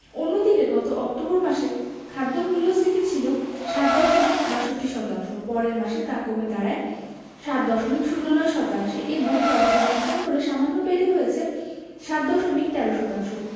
অন্যদিকে গত অক্টোবর মাসে খাদ্য মূল্যস্ফীতি ছিল ৭ দশমিক ৬২ শতাংশ পরের মাসে তা কমে দাঁড়ায় ৭ দশমিক ০৯ শতাংশে এবং সর্বশেষ ডিসেম্বরে সামান্য বেড়ে হয়েছে ৭ দশমিক ১৩ শতাংশ